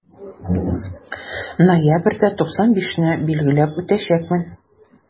Ноябрьдә 95 не билгеләп үтәчәкмен.